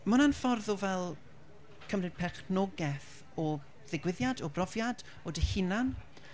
Ma' hwn yn ffordd o fel, cymryd perchnogaeth o ddigwyddiad, o brofiad, o dy hunan.